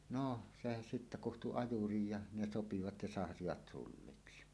no se sitten kutsui ajurin ja ne sopivat ja sahasivat sulliksi